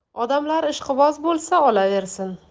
odamlar ishqiboz bo'lsa olaversin